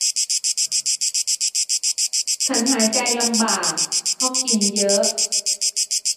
ฉันหายใจลำบากเพราะกินเยอะ